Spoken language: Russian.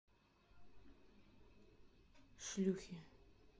шлюхи